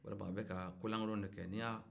walima a bɛka kolankolon dɔ kɛ